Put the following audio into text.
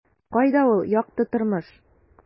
Кайда ул - якты тормыш? ..